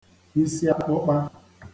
isiakpụkpa